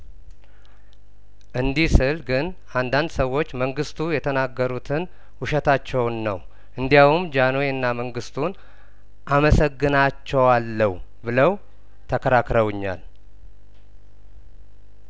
እንዲህ ስል ግን አንዳንድ ሰዎች መንግስቱ የተናገሩትን ውሸታቸውን ነው እንዲያውም ጃንሆይና መንግስቱን አመሰግናቸዋለሁ ብለው ተከራክረውኛል